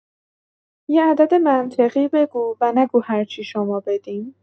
یه عدد منطقی بگو و نگو هرچی شما بدین.